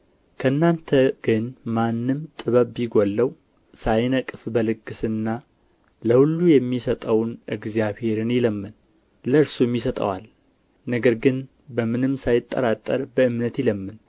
ከእናንተ ግን ማንም ጥበብ ቢጎድለው ሳይነቅፍ በልግስና ለሁሉ የሚሰጠውን እግዚአብሔርን ይለምን ለእርሱም ይሰጠዋል ነገር ግን በምንም ሳይጠራጠር በእምነት ይለምን